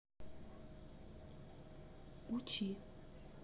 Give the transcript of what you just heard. учи